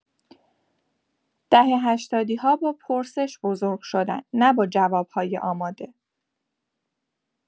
دهه‌هشتادی‌ها با پرسش بزرگ‌شدن، نه با جواب‌های آماده.